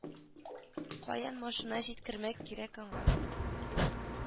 Каян машина җиткермәк кирәк аңа